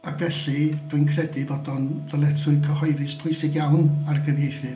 Ac felly dwi'n credu bod o'n ddyletswydd cyhoeddus pwysig iawn ar gyfieithydd.